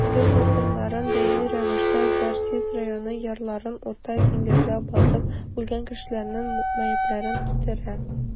Диңгез дулкыннары даими рәвештә Зарзис районы ярларына Урта диңгездә батып үлгән кешеләрнең мәетләрен китерә.